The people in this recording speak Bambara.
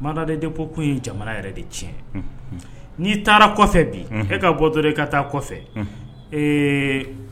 Maden de ko kun ye jamana yɛrɛ de tiɲɛ n'i taara kɔfɛ bi e ka bɔtɔ e ka taa kɔfɛ